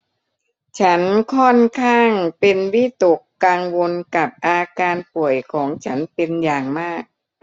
ฉันค่อนข้างเป็นวิตกกังวลกับอาการป่วยของฉันเป็นอย่างมาก